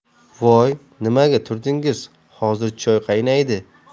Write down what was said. voy nimaga turdingiz hozir choy qaynaydi